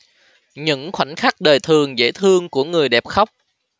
những khoảnh khắc đời thường dễ thương của người đẹp khóc